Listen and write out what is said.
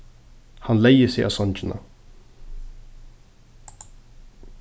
hann legði seg á songina